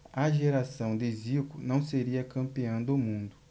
a geração de zico não seria campeã do mundo